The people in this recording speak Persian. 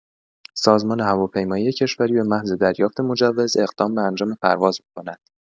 سازمان هواپیمایی کشوری به محض دریافت مجوز اقدام به انجام پرواز می‌کند.